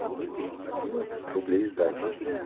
одиннадцать рублей сдачи